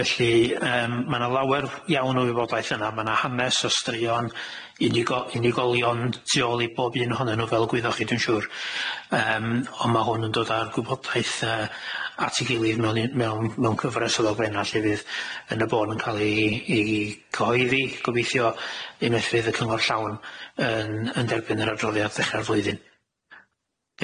Felly yym ma' 'na lawer iawn o wybodaeth yna ma' 'na hanes o straeon unigo- unigolion tu ôl i bob un ohonyn nhw fel y gwyddoch chi dwi'n siŵr yym ond ma' hwn yn dod â'r gwybodaeth yy at ei gilydd mewn mewn mewn cyfres o ddogfenna lly fydd yn y bôn yn ca'l i i cyhoeddi gobeithio unwaith fydd y cyngor llawn yn yn derbyn yr adroddiad ddechra'r flwyddyn.